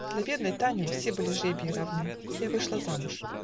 для бедной Тани Все были жребии равны. Я вышла замуж.